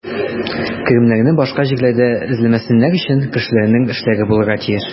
Керемнәрне башка җирләрдә эзләмәсеннәр өчен, кешеләрнең эшләре булырга тиеш.